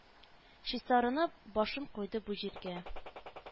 Чистарынып, башын куйды бу җиргә